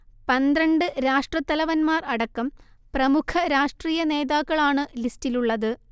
പന്ത്രണ്ട് രാഷ്ട്രത്തലവന്മാർ അടക്കം പ്രമുഖ രാഷ്ട്രീയ നേതാക്കളാണ് ലിസ്റ്റിലുള്ളത്